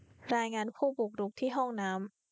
รายงานผู้บุกรุกที่ห้องน้ำ